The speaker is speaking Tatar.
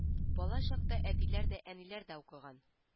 Бала чакта әтиләр дә әниләр дә укыган